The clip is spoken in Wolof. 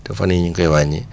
te fan yii ñu ngi koy wàññi